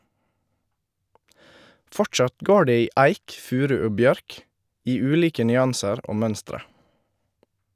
Fortsatt går det i eik, furu og bjørk - i ulike nyanser og mønstre.